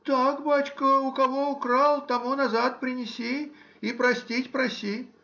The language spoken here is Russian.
— Так, бачка: у кого украл, тому назад принеси и простить проси